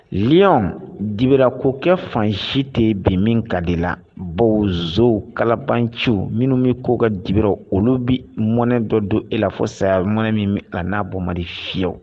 dibira ko kɛ fan si ten bi min ka de la bawzo kalabanci minnu bɛ ko ka dibira olu bɛ mɔnɛ dɔ don e la fɔ saya mɔn min a n'a bomari fiyew